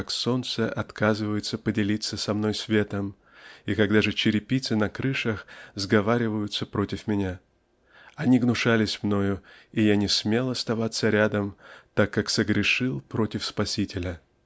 как солнце отказывается поделиться со мной светом и как даже черепицы на крышах сговариваются против меня. Они гнушались мною и я не смел оставаться рядом так как согрешил против Спасителя.